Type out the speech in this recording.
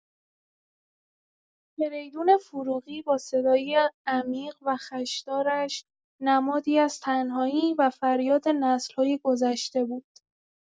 فریدون فروغی با صدای عمیق و خش‌دارش، نمادی از تنهایی و فریاد نسل‌های گذشته بود.